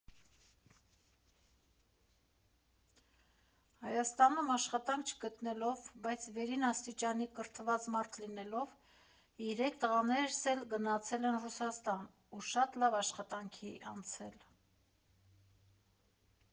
Հայաստանում աշխատանք չգտնելով, բայց վերին աստիճանի կրթված մարդ լինելով, երեք տղաներս էլ գնացել են Ռուսաստան ու շատ լավ աշխատանքի անցել։